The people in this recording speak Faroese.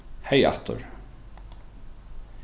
hey aftur